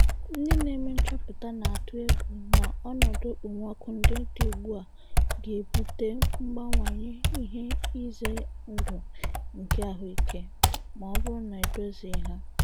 Ndị na-eme nchọpụta na-atụ egwu na ọnọdụ okpomọkụ ndị dị ugbu a ga-ebuta mbawanye ihe ize ndụ nke ahụike, ma ọ bụrụ na edozighị ha.